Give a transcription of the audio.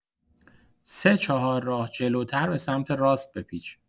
سه چهارراه جلوتر به‌سمت راست بپیچ.